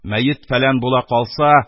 Мәет-фәлән була калса,